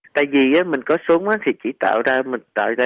tại vì á mình có súng á thì chỉ tạo ra mình tạo ra